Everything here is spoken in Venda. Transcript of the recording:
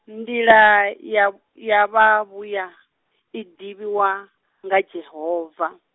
nḓila ya, ya vha vhuya iḓivhiwa, nga Yehova.